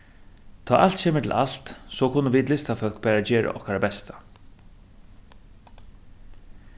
tá alt kemur til alt so kunnu vit listafólk bara gera okkara besta